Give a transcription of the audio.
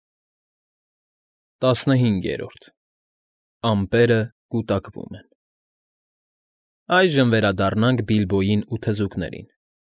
ՏԱՍՆՀԻՆԳԵՐՈՐԴ ԱՄՊԵՐԸ ԿՈՒՏԱԿՎՈՒՄ ԵՆ Այժմ վերադառնանք Բիլբոյին ու թզուկներին։